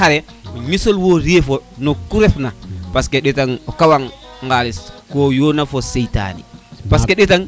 ndax xaye ñisole wo refo no kun ref na parce que ɗatan o kawan ŋalis ko yona fo seytane parce que ɗetan